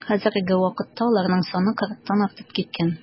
Хәзерге вакытта аларның саны кырыктан артып киткән.